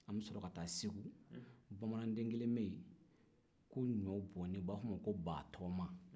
an bɛ sɔrɔ ka taa segu bamananden kelen bɛ yen ko ɲɔbonnen u b'a f'o ma ko batoma